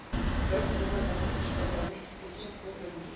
Бер кулы нәрсә эшләгәнне икенче кул белми